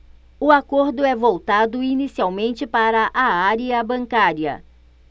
o acordo é voltado inicialmente para a área bancária